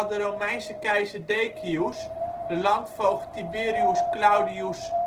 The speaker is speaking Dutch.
Romeinse keizer Decius de landvoogd Tiberius Claudius